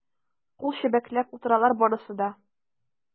Кул чәбәкләп утыралар барысы да.